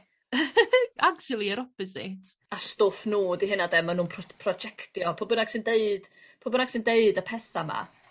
... actually yr opposite. A stwff nw ydi hynna 'de ma' nw'n prod- projectio pwy byn nag sy'n deud pwy bynnag sy'n deud y petha 'ma